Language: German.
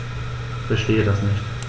Verstehe das nicht.